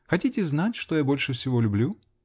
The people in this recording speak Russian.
Хотите знать, что я больше всего люблю?